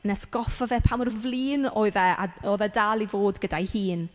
Yn atgoffa fe pa mor flin oedd e a... oedd e dal i fod gyda'i hun.